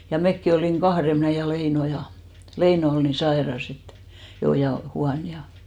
ja mekin olimme kahden minä ja Leino ja Leino oli niin sairas että jo ja huono ja